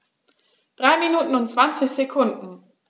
3 Minuten und 20 Sekunden